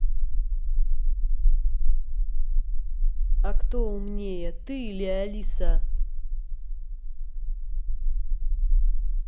а кто умнее ты или алиса